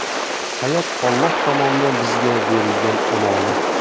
hayot olloh tomonidan bizga berilgan omonat